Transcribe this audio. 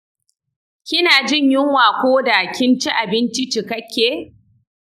kina jin yunwa ko da kin ci abinci cikakke?